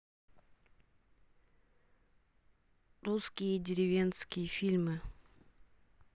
русские деревенские фильмы